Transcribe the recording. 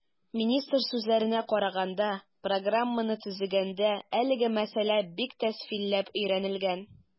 Министр сүзләренә караганда, программаны төзегәндә әлеге мәсьәлә бик тәфсилләп өйрәнелгән.